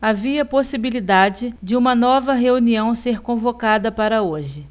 havia possibilidade de uma nova reunião ser convocada para hoje